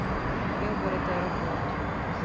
белгород аэропорт